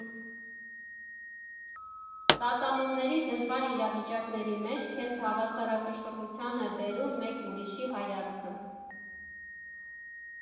Տատանումների, դժվար իրավիճակների մեջ քեզ հավասարակշռության է բերում մեկ ուրիշի հայացքը։